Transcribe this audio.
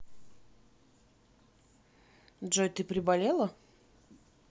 джой ты приболела